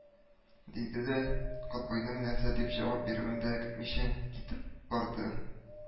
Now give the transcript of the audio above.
— диде дә, котбыйның нәрсә дип җавап бирүен дә көтмичә, китеп барды